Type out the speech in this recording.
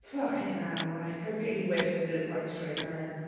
fucking hell, like, I really wish I didn't like straight men.